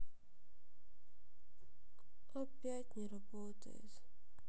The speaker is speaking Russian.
опять не работает